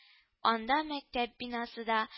Анда мәктәп бинасы да